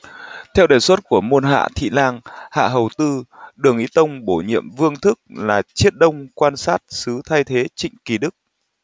theo đề xuất của môn hạ thị lang hạ hầu tư đường ý tông bổ nhiệm vương thức là chiết đông quan sát sứ thay thế trịnh kỳ đức